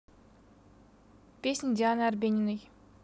песни дианы арбениной